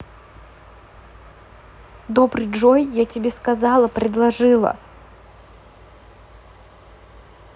добрый джой я тебе сказала предложила